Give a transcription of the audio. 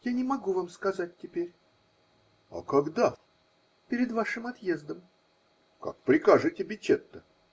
-- Я не могу вам сказать теперь. -- А когда? -- Перед вашим отъездом. -- Как прикажете, Бичетта.